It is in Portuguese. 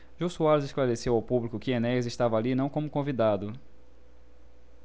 jô soares esclareceu ao público que enéas estava ali não como convidado